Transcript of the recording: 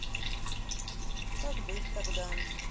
как быть тогда